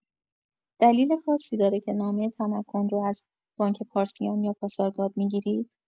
دلیل خاصی داره که نامه تمکن رو از بانک پارسیان یا پاسارگاد می‌گیرید؟